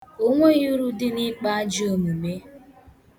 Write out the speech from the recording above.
O nweghị uru dị na ịkpa ajọ omume.